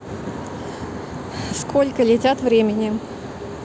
сколько летят времени